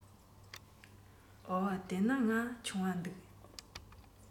འོ དེས ན ང ཆུང བ འདུག